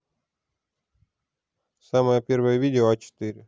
самое первое видео а четыре